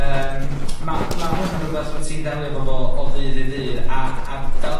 yym ma' ma' hwn yn rwbeth wt ti'n ddelio efo fo o ddydd i ddydd a a fel